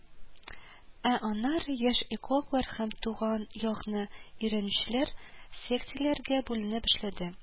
Ә аннары яшь экологлар һәм туган якны өйрәнүчеләр секцияләргә бүленеп эшләде